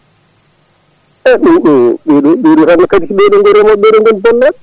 he ɓeeɗo ɓeeɗo kadi ko ɓeeɗo gooni remoɓe ko ɓeeɗo gooni bonnoɓe